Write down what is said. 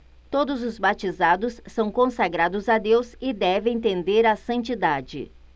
todos os batizados são consagrados a deus e devem tender à santidade